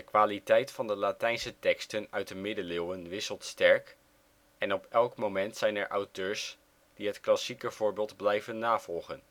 kwaliteit van de Latijnse teksten uit de middeleeuwen wisselt sterk, en op elk moment zijn er auteurs die het klassieke voorbeeld blijven navolgen